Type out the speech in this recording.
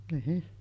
niin